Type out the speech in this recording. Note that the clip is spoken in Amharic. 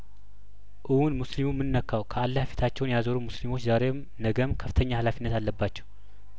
እውን ሙስሊሙምን ነካው ከአላህ ፊታቸውን ያዞሩ ሙስሊሞች ዛሬም ነገም ከፍተኛ ሀላፊነት አለባቸው